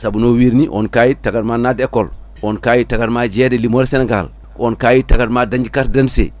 saabu no wirini on kayit tagadma nadde école on kayit tagatma jeeyede e limore Sénégal on kayit tagatma dañde carte d' identité